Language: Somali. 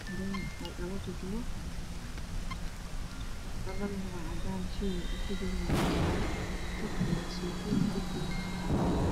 Karen kujiradhalo dhalada waacadan sheygu kujir jaalo furkana waa setuun derbigana waa cadan